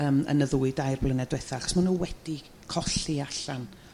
yrm yn y ddwy dair blynedd d'wetha 'chos ma' nhw wedi colli allan.